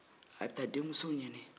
a bi taa den muso ɲini